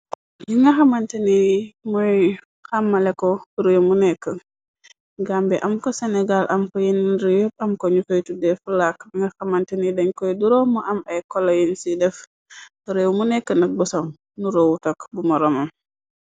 yi nga xamante ni mooy xamale ko réew mu nekk gam be am ko senegal am yenen reew yopb am ko ñu fay tudde flakk bi nga xamante ni dañ koy duroomu am ay koloyin ci def réew mu nekk nak bosam nu roowu takk bu moroma.